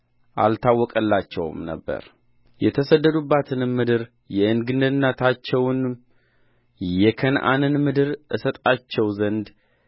አልታወቀላቸውም ነበር የተሰደዱባትንም ምድር የእንግድነታቸውን የከነዓንን ምድር እሰጣቸው ዘንድ